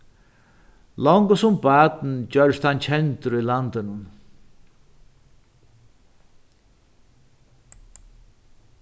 longu sum barn gjørdist hann kendur í landinum